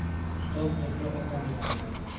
ustoz mehri ota mehri